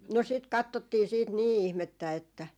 no sitä katsottiin sitten niin ihmettä että